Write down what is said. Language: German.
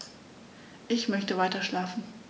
Ich möchte weiterschlafen.